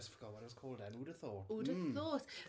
Forgot what it was called then. Who'd have thought?... Who'd have thought?